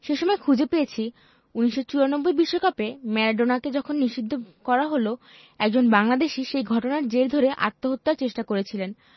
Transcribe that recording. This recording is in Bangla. সে সময় খুঁজে পেয়েছি ১৯৯৪ বিশ্বকাপে ম্যারাডোনাকে যখন নিষিদ্ধ করা হলো একজন বাংলাদেশি সে ঘটনার জের ধরে আত্মহত্যার চেষ্টা করেছিলেন